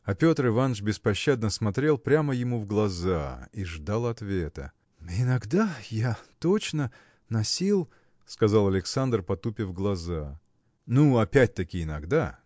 А Петр Иваныч беспощадно смотрел прямо ему в глаза и ждал ответа. – Иногда. я точно. носил. – сказал Александр, потупив глаза. – Ну, опять-таки – иногда.